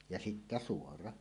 ja sitten suora